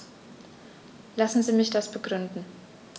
Lassen Sie mich das begründen.